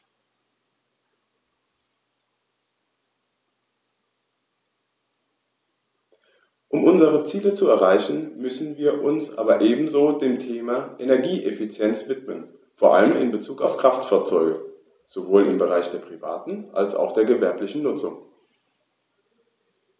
Um unsere Ziele zu erreichen, müssen wir uns aber ebenso dem Thema Energieeffizienz widmen, vor allem in Bezug auf Kraftfahrzeuge - sowohl im Bereich der privaten als auch der gewerblichen Nutzung.